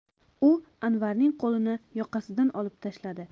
u anvarning qo'lini yoqasidan olib tashladi